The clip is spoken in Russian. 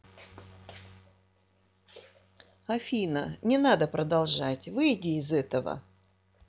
афина не надо продолжать выйди из этого